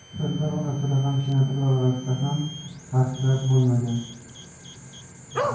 deputatlar orasida ham senatorlar orasida ham qarshilar bo'lmagan